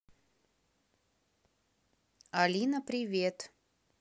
алина привет